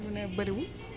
ne bariwul